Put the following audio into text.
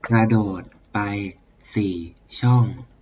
กระโดดไปสี่ช่อง